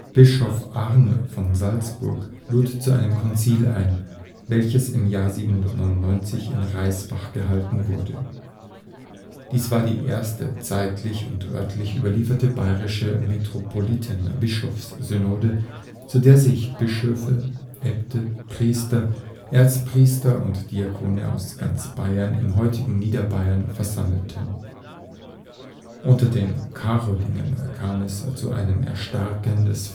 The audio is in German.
Bischof Arn von Salzburg lud zu einem Konzil ein, welches im Jahr 799 in Reisbach gehalten wurde. Dies war die erste zeitlich und örtlich überlieferte bairische Metropoliten-Bischofssynode, zu der sich Bischöfe, Äbte, Priester, Erzpriester und Diakone aus ganz Baiern im heutigen Niederbayern versammelten. Tassilokelch (Reproduktion) Unter den Karolingern kam es zu einem Erstarken des